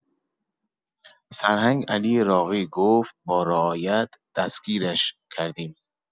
سرهنگ علی راقی گفت «با رعایت» دستگیرش کردیم.